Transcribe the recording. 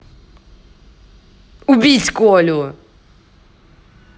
убить колю